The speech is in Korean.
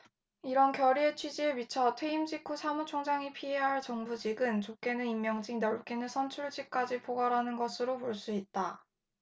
이런 결의의 취지에 비춰 퇴임 직후 사무총장이 피해야 할 정부직은 좁게는 임명직 넓게는 선출직까지 포괄하는 것으로 볼 수 있다